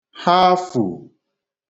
hafù